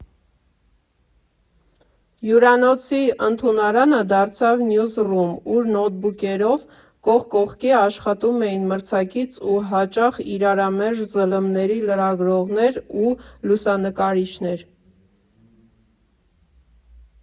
Հյուրանոցի ընդունարանը դարձավ նյուզ֊ռում, ուր նոթբուքերով կողք կողքի աշխատում էին մրցակից ու հաճախ իրարամերժ զլմ֊ների լրագրողներ ու լուսանկարիչներ։